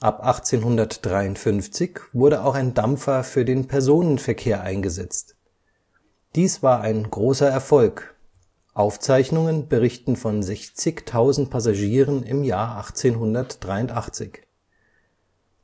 Ab 1853 wurde auch ein Dampfer für den Personenverkehr eingesetzt. Dies war ein großer Erfolg, Aufzeichnungen berichten von 60.000 Passagieren im Jahr 1883.